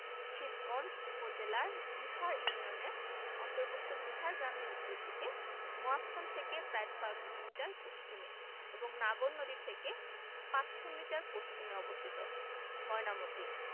শিবগঞ্জ উপজেলার বিহার ইউনিয়নের অন্তর্ভুক্ত বিহার গ্রামের উত্তর দিকে মহাস্থান থেকে প্রায় ৬ কিলোমিটার পশ্চিমে এবং নাগর নদী থেকে ৫০০ মিটার পশ্চিমে অবস্থিত ময়নামতি